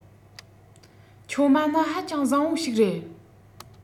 ཆུང མ ནི ཧ ཅང བཟང བོ ཞིག རེད